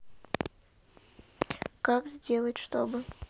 как сделать чтобы